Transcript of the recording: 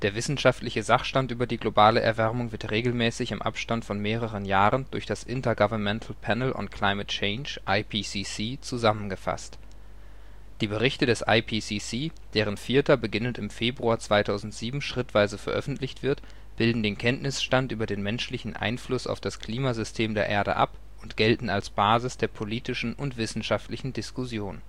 wissenschaftliche Sachstand über die globale Erwärmung wird regelmäßig im Abstand von mehreren Jahren durch das Intergovernmental Panel on Climate Change (IPCC) zusammengefasst. Die Berichte des IPCC, deren vierter beginnend im Februar 2007 schrittweise veröffentlicht wird, bilden den Kenntnisstand über den menschlichen Einfluss auf das Klimasystem der Erde ab und gelten als Basis der politischen und wissenschaftlichen Diskussion